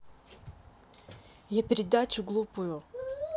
я передачу глупую